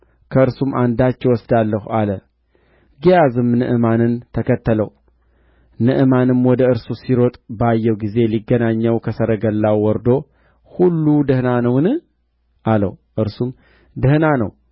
የእግዚአብሔርም ሰው ሎሌ ግያዝ ጌታዬ ሶርያዊውን ይህን ንዕማንን ማረው ካመጣለትም ነገር ምንም አልተቀበለም ሕያው እግዚአብሔርን በስተ ኋለው እሮጣለሁ